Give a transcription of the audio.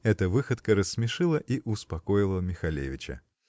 Эта выходка рассмешила и успокоила Михалевича.